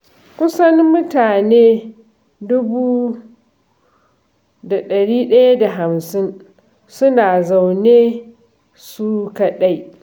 Kusan mutane dubu 150 suna zaune su kaɗai.